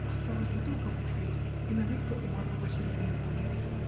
— Осталась бутылка в буфете, и наливка у Марфы Васильевны в комнате.